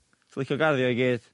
Ti licio garddio i gyd.